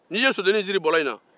ni i ye sodennin in siri bɔlɔ in na